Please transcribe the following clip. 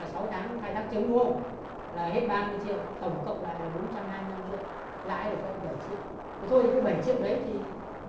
sáu tháng khai thác trứng đúng không là hết ba mươi triệu tổng cộng là bốn trăm hai nhăm triệu lãi được hơn bảy triệu thôi những thứ bảy triệu đấy thì